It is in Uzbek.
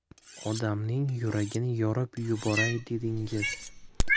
odamning yuragini yorib yuboray dedingiz